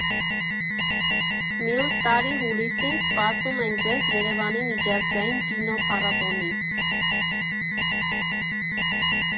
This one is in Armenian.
Մյուս տարի հուլիսին սպասում ենք ձեզ Երևանի միջազգային կինոփառատոնին։